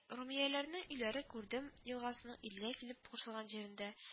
Румияләрнең өйләре Курдем елгасының Иделгә килеп кушылган җирендә